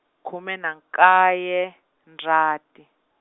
khume na nkaye, Ndzhati.